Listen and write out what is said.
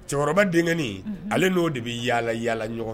Cɛkɔrɔba denkɛni ale n'o de bɛ yaala yaala ɲɔgɔn fɛ.